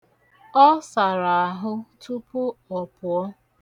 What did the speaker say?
Ọ sara ahụ tupu ọ pụọ.